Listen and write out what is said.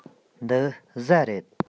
འདི ཟྭ རེད